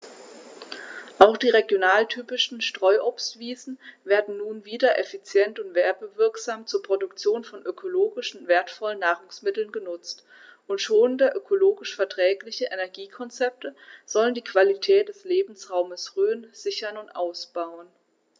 Auch die regionaltypischen Streuobstwiesen werden nun wieder effizient und werbewirksam zur Produktion von ökologisch wertvollen Nahrungsmitteln genutzt, und schonende, ökologisch verträgliche Energiekonzepte sollen die Qualität des Lebensraumes Rhön sichern und ausbauen.